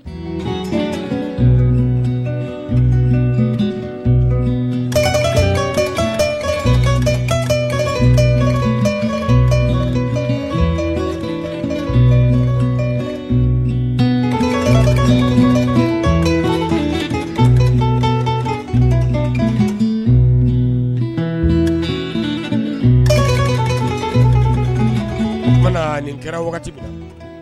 Ka nin kɛra wagati